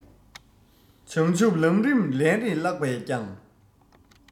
བྱང ཆུབ ལམ རིམ ལན རེ བཀླགས པས ཀྱང